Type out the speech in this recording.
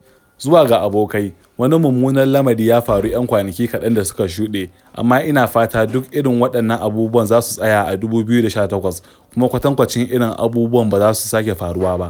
Zuwa ga abokai, wani mummunar lamari ya faru 'yan kwanaki kaɗan da suka shuɗe, amma ina fata duk irin waɗannan abubuwa za su tsaya a 2018 kuma kwatankwacin irin abubuwan ba za su sake faruwa ba.